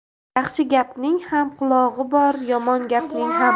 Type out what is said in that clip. yaxshi gapning ham qulog'i bor yomon gapning ham